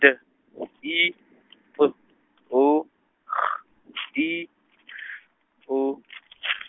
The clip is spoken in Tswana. D I P O G I S O.